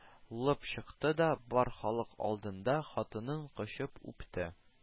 Лып чыкты да бар халык алдында хатынын кочып үпте: